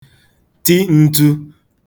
ti n̄tū